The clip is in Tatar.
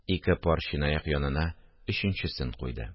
Ике пар чынаяк янына өченчесен куйды